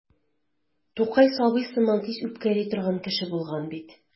Тукай сабый сыман тиз үпкәли торган кеше булган бит.